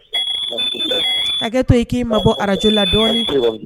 Hakɛ to i k'i ma bɔ arajo la dɔɔnin